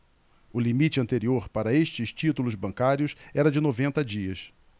o limite anterior para estes títulos bancários era de noventa dias